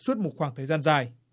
suốt một khoảng thời gian dài